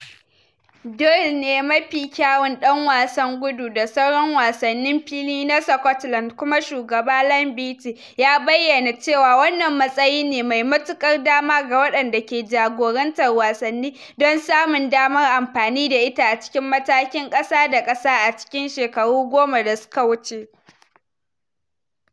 Doyle ne mafi kyawun dan wasan gudu da sauran wasannin fili na Scotland kuma shugaba Ian Beattie ya bayyana cewa wannan matsayi ne mai matukar dama ga waɗanda ke jagorantar wasanni don samun damar amfani da ita a cikin matakin kasa da kasa a cikin shekaru goma da suka wuce.